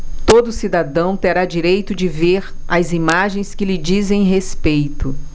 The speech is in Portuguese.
todo cidadão terá direito de ver as imagens que lhe dizem respeito